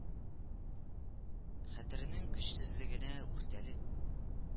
Хәтеренең көчсезлегенә үртәлеп